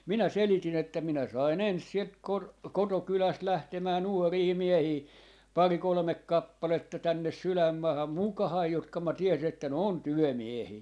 minä selitin että minä sain ensin sieltä - kotokylästä lähtemään nuoria miehiä pari kolme kappaletta tänne sydänmaahan mukaani jotka minä tiesin että ne on työmiehiä